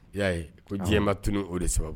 I y'a ye ko diɲɛba tunun o de sababu